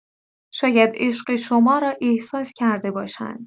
شاید عشق شما را احساس کرده باشند.